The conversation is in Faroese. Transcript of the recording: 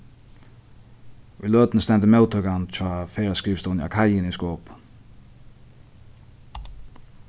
í løtuni stendur móttøkan hjá ferðaskrivstovuni á kaiini í skopun